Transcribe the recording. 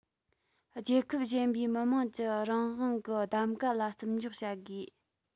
རྒྱལ ཁབ གཞན པའི མི དམངས ཀྱི རང བདག གི གདམ ག ལ བརྩི འཇོག བྱ དགོས